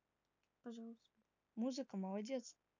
музыка молодец